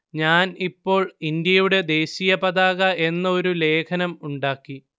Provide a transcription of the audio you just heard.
ഞാൻ ഇപ്പോൾ ഇന്ത്യയുടെ ദേശീയ പതാക എന്ന ഒരു ലേഖനം ഉണ്ടാക്കി